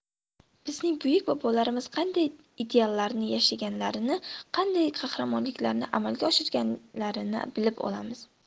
bizning buyuk bobolarimiz qanday ideallarni yashaganlarini qanday qahramonliklarni amalga oshirganlarini bilib olamiz